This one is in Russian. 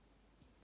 в другой раз